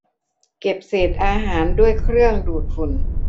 เก็บเศษอาหารด้วยเครื่องดูดฝุ่น